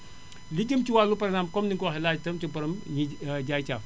li jëm ci wàllu par exemple comme ni nga ko waxee laaj itam ci borom ñiy jaay caaf